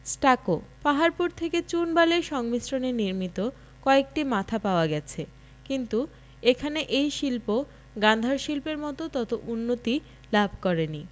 stucco Paharpur থেকে চুন বালির সংমিশ্রণে নির্মিত কয়েকটি মাথা পাওয়া গেছে কিন্তু এখানে এই শিল্প গান্ধার শিল্পের মত তত উন্নতি লাভ করে নি